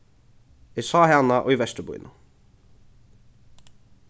eg sá hana í vesturbýnum